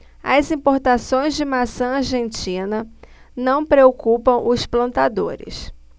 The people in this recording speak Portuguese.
as importações de maçã argentina não preocupam os plantadores